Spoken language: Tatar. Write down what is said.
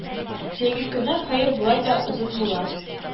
Җәйге көннәр, хәер, болай да озын була